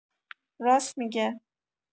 راس می‌گه